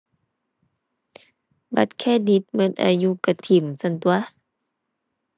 บัตรเครดิตหมดอายุหมดถิ้มซั้นตั่ว